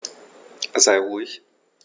Sei ruhig.